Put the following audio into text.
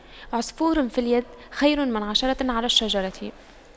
عصفور في اليد خير من عشرة على الشجرة